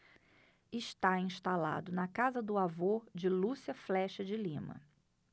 está instalado na casa do avô de lúcia flexa de lima